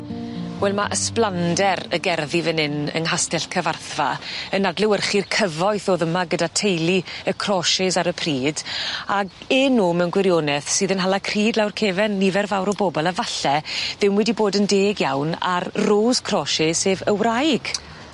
Wel ma' ysblander y gerddi fyn 'yn yng Nghastell Cyfarthfa yn adlewyrchu'r cyfoeth o'dd yma gyda teulu y Crauchetes ar y pryd ag enw mewn gwirioneth sydd yn hala cryd lawr cefen nifer fawr o bobol a falle ddim wedi bod yn deg iawn ar Rose Crauchete sef y wraig.